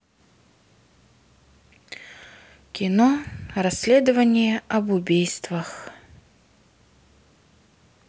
кино расследование об убийствах